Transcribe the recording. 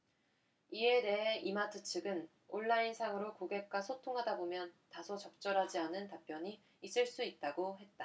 이에 대해 이마트 측은 온라인상으로 고객과 소통하다보면 다소 적절하지 않은 답변이 있을 수 있다고 했다